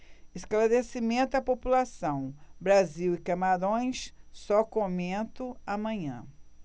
esclarecimento à população brasil e camarões só comento amanhã